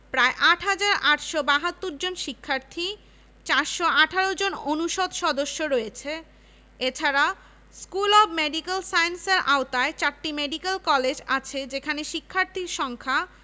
এবং বাইরের লোকজনের জন্য বিভিন্ন কোর্স অফার করে স্নাতক শিক্ষার্থী এবং শিক্ষকদের তৈরি করা বিভিন্ন গবেষণা প্রোগ্রামের জন্য সাবিপ্রবি এর স্নাতক পর্যায়ের প্রগ্রামগুলি ইতোমধ্যে খ্যাতি অর্জন করেছে